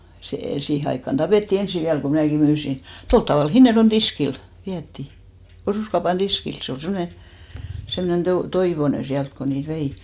se siihen aikaan tapettiin ensin vielä kun minäkin myin tuolla tavalla Hinnerjoen tiskille vietiin osuuskaupan tiskille se oli semmoinen semmoinen - Toivonen sieltä kun niitä vei